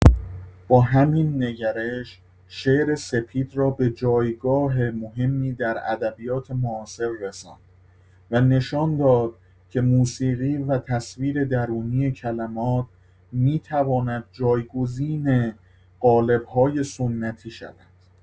با همین نگرش، شعر سپید را به جایگاه مهمی در ادبیات معاصر رساند و نشان داد که موسیقی و تصویر درونی کلمات می‌تواند جایگزین قالب‌های سنتی شود.